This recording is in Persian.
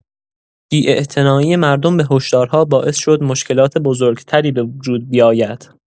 بی‌اعتنایی مردم به هشدارها باعث شد مشکلات بزرگ‌تری به وجود بیاید.